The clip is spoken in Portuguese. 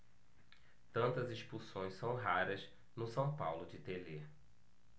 tantas expulsões são raras no são paulo de telê